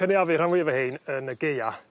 cynaeafu rhan fwyaf o 'hein yn y Gaea.